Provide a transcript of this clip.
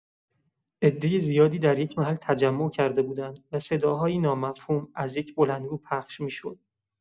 عده زیادی در یک محل تجمع کرده بودند و صداهایی نامفهوم از یک بلندگو پخش می‌شد.